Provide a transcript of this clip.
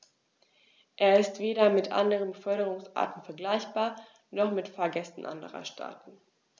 Er ist weder mit anderen Beförderungsarten vergleichbar, noch mit Fahrgästen anderer Staaten.